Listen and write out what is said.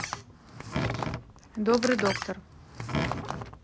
добрый доктор